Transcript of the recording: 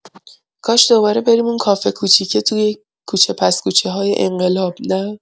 کاش دوباره بریم اون کافه کوچیکه توی کوچه پس‌کوچه‌های انقلاب، نه؟